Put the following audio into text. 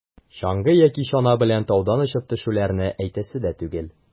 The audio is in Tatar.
Чаңгы яки чана белән таудан очып төшүләрне әйтәсе дә түгел.